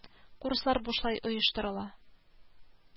Курслар бушлай оештырыла